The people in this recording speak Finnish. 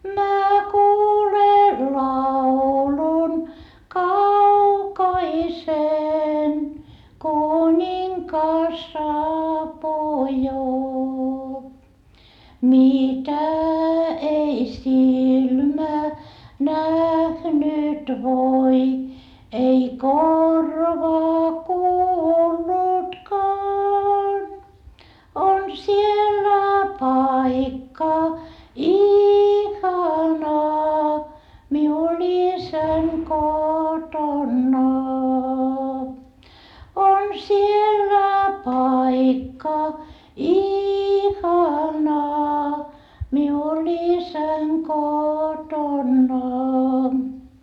minä kuulen laulun kaukaisen kuningas saapuu jo mitä ei silmä nähnyt voi ei korva kuullutkaan on siellä paikka ihana minulla isän kotona on siellä paikka ihana minulla isän kotona